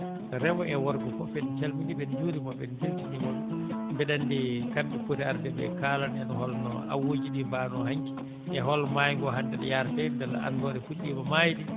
rewo e worgo fof en calminii ɓe en njuuriima ɓe en mbeltaniima ɓe mbeɗa anndi kamɓe poti arde ɓe kaalana en holno awooji ɗii mbaano e hol Maayo ngoo hannde ɗo yaaretee mbele anndode fuɗɗiima maayde